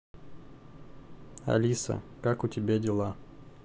алиса как у тебя дела